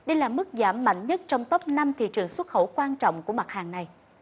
đây là mức giảm mạnh nhất trong tốp năm thị trường xuất khẩu quan trọng của mặt hàng này